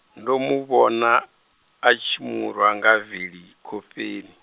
ndo muvhona, a tshi murwa nga vili, khofheni.